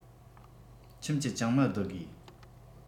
ཁྱིམ གྱི ཅང མི བསྡུ དགོས